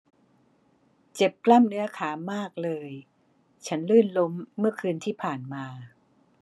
เจ็บกล้ามเนื้อขามากเลยฉันลื่นล้มเมื่อคืนที่ผ่านมา